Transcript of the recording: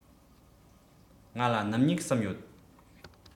ང ལ སྣུམ སྨྱུག གསུམ ཡོད